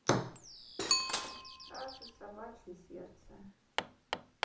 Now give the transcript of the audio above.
фразы собачье сердце